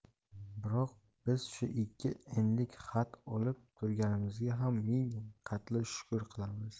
biroq biz shu ikki enlik xat olib turganimizga ham ming qatla shukr qilamiz